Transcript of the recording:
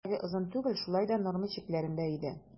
Күлмәге озын түгел, шулай да норма чикләрендә иде.